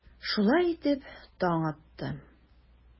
Шулай итеп, таң атты.